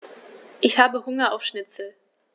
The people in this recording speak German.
Ich habe Hunger auf Schnitzel.